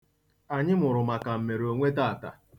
Anyị mụrụ maka mmeronwe taata.